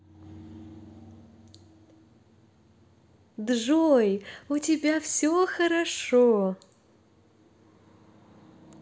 джой у тебя все хорошо